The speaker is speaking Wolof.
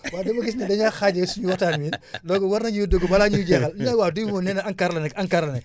waaw dama gis ne da ngaa xaajale suñu waxtaan wi donc war nañu dugg balaa ñuy jeexal li nga wax dégg ma nee na ANCAR la nekk ANCAR la nekk